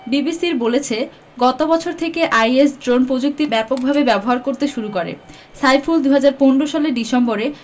বিবিসির বলেছে গত বছর থেকে আইএস ড্রোন প্রযুক্তি ব্যাপকভাবে ব্যবহার করতে শুরু করে সাইফুল ২০১৫ সালের ডিসেম্বরে